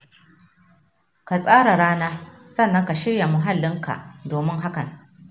ka tsara rana sannan ka shirya muhallinka domin hakan.